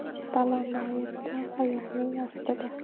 balo na yerda oyoqning ostida